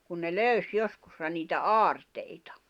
kun ne löysi joskus niitä aarteita